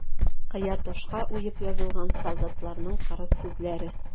Кыя ташка уеп язылган солдатларның кырыс сүзләре.